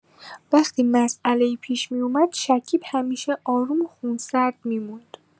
وقتی مسئله‌ای پیش می‌اومد، شکیب همیشه آروم و خونسرد می‌موند.